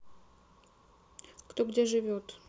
кто где живет